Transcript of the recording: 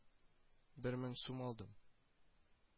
Бер мең сум алдым